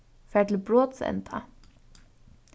far til brotsenda